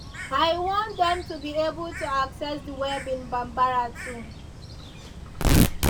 I want them to be able to access the web in Bambara too.